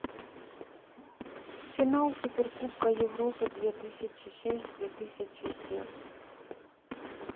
финал суперкубка европы две тысячи шесть две тысячи семь